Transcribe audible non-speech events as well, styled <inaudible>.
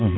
<hesitation> <hesitation>